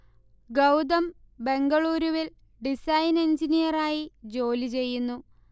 ഗൗതം ബെംഗളൂരുവിൽ ഡിസൈൻ എൻജിനീയറായി ജോലിചെയ്യുന്നു